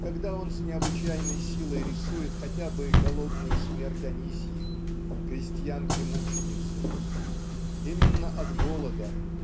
когда он с необычайной силой рисует хотя бы голодную смерть Анисьи крестьянки-мученицы. Именно от голода